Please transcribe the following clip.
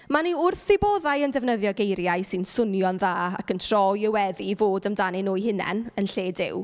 Maen nhw wrth eu boddau yn defnyddio geiriau sy'n swnio'n dda, ac yn troi y weddi i fod amdano nhw eu hunain yn lle Duw.